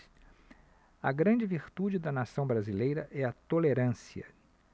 a grande virtude da nação brasileira é a tolerância